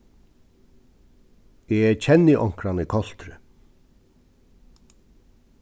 eg kenni onkran í koltri